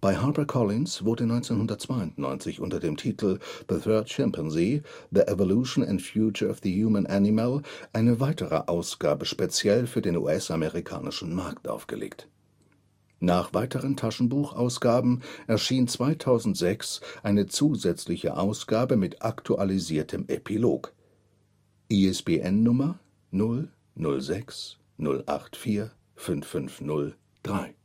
HarperCollins wurde 1992 unter dem Titel The Third Chimpanzee: The Evolution and Future of the Human Animal eine weitere Ausgabe speziell für den US-amerikanischen Markt aufgelegt. Nach weiteren Taschenbuchausgaben erschien 2006 eine zusätzliche Ausgabe mit aktualisiertem Epilog (ISBN 0-06-084550-3